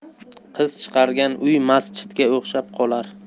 qiz chiqargan uy masjidga o'xshab qolar